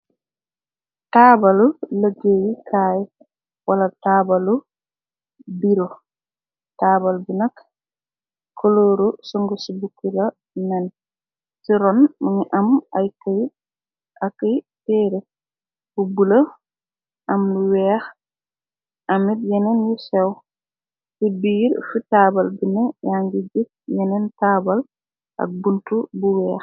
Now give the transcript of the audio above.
Taabalu lëggéeyi kaay wala taabalu biro taabal bi nak kolóoru sung ci bukki ra nani ti ron mungi am ay këy aky teere bu bule am weex amir yeneen yu sew ci biir fi taabal bine yangi jët yeneen taabal ak bunt bu weex.